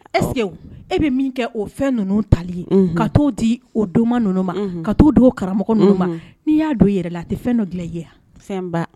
Est ce que e be min kɛ o nunun tali ye , ka to di o donma nunun ma , ka to don o karamɔgɔ nunun ma. Ni ya don i yɛlɛ la a tɛ fɛn dɔ gilan i ye wa ?